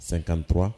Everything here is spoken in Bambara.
Sankantura